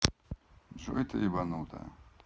джой ты ебанутая